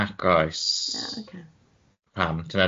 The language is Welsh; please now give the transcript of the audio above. .Nac oes.